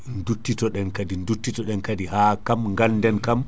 duttito ɗen kadi duttito ɗen kadi ha kam ganden kam